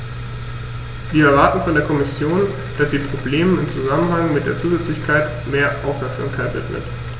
Wir erwarten von der Kommission, dass sie Problemen im Zusammenhang mit der Zusätzlichkeit mehr Aufmerksamkeit widmet.